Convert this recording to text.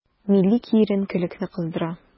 Милли киеренкелекне кыздыра.